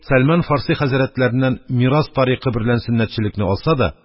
Сәлман Фарси хәзрәтләреннән мирас тарикы берлән сөннәтчелекне алса да,